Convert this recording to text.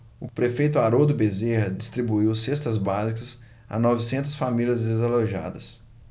o prefeito haroldo bezerra distribuiu cestas básicas a novecentas famílias desalojadas